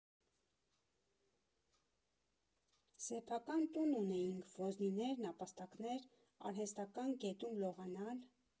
Սեփական տուն ունեինք՝ ոզնիներ, նապաստակներ, արհեստական գետում լողանալ…